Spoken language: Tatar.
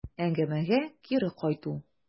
Әңгәмәгә кире кайту.